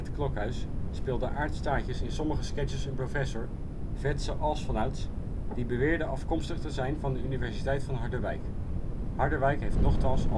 Klokhuis speelde Aart Staartjes in sommige sketches een professor, Fetze Alsvanouds, die beweerde afkomstig te zijn van de Universiteit van Harderwijk. Harderwijk heeft nochtans